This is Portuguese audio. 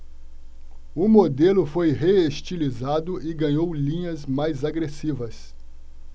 o modelo foi reestilizado e ganhou linhas mais agressivas